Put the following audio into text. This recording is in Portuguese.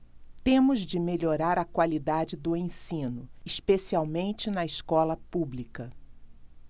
temos de melhorar a qualidade do ensino especialmente na escola pública